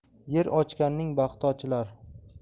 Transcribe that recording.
yer ochganning baxti ochilar